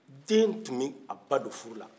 den kun bɛ a ba don furu la